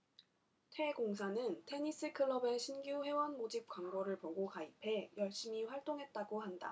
태 공사는 테니스 클럽의 신규 회원 모집 광고를 보고 가입해 열심히 활동했다고 한다